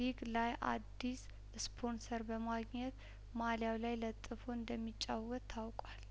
ሊግ ላይ አዲስ ስፖንሰር በማግኘት ማሊያው ላይ ለጥፎ እንደሚጫወት ታውቋል